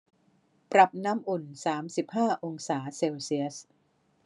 ปรับน้ำอุ่นสามสิบห้าองศาเซลเซียส